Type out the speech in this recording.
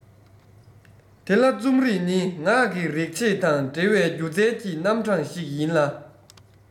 དེ ལ རྩོམ རིག ནི ངག གི རིག བྱེད དང འབྲེལ བའི སྒྱུ རྩལ གྱི རྣམ གྲངས ཤིག ཡིན ལ